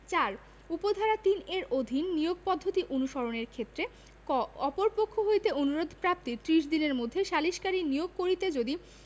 ৪ উপ ধারা ৩ এর অধীন নিয়োগ পদ্ধতি অনুসারণের ক্ষেত্রে ক অপর পক্ষ হইতে অনুরোধ প্রাপ্তির ত্রিশ দিনের মধ্যে সালিসকারী নিয়োগ করিতে যদি